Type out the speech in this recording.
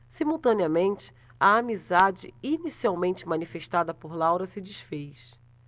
simultaneamente a amizade inicialmente manifestada por laura se disfez